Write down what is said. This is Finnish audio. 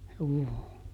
juu